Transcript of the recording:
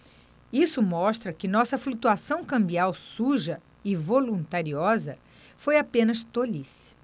isso mostra que nossa flutuação cambial suja e voluntariosa foi apenas tolice